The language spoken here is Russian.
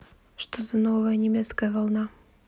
что за новая немецкая волна